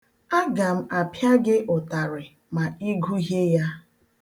Aga m apịa gị ụtarị ma ịgụhie ya.